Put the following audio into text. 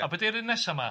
A a be di'r un nesa ma?